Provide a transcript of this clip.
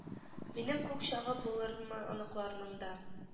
Минем күк чагы булырмы оныкларның да